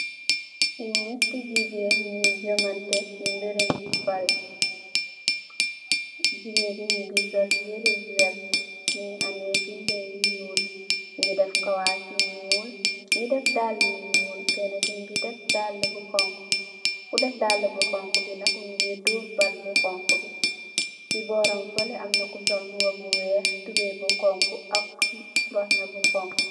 Fi nyeeti jigeen nyungi jogante si berem baal jigeen yi ñyugi sol yere yu wertax mongi ame binda yu nuul ñyugi def kawas yu nuul nyu def daala yu nuul kena ki mongi deff daal bu xonxu ko def daal bu xonxu bi nak monge dool baal bo xonxu bi si borram fele amna ku sol mbuba bu weex tubai bu xonxu ak mbahana bu xonxu.